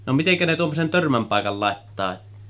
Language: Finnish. no miten ne tuommoisen törmän paikan laittaa